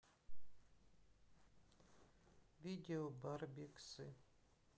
видео барбексы